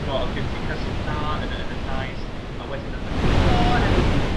t'mo' o'dd gen ti cyswllt da yn y yn y llais a wedyn ath y c- helo enw fi 'di...